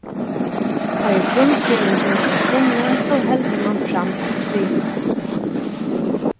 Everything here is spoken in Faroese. tá ið grundgeving er funnin so heldur mann fram at skriva